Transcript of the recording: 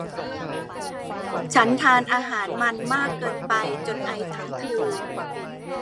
ฉันทานอาหารมันมากเกินไปจนไอทั้งคืน